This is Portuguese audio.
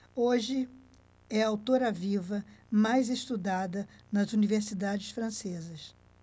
hoje é a autora viva mais estudada nas universidades francesas